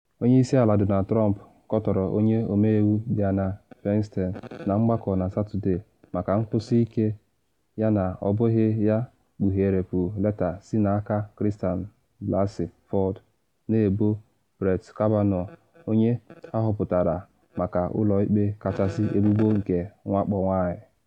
Onye isi ala Donald Trump kọtọrọ Onye Ọmeiwu Dianne Feinstein na mgbakọ na Satọde maka nkwusi ike ya na ọ bụghị ya kpughepuru leta si n’aka Christine Blasey Ford na ebo Brett Kavanaugh onye ahọpụtara maka Ụlọ Ikpe Kachasị ebubo nke nwakpo nwanyị.